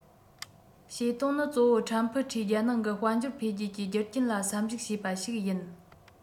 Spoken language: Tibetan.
བྱེད དོན ནི གཙོ བོ ཁམ ཕུ ཁྲེའི རྒྱལ ནང གི དཔལ འབྱོར འཕེལ རྒྱས ཀྱི རྒྱུ རྐྱེན ལ བསམ གཞིགས བྱས པ ཞིག ཡིན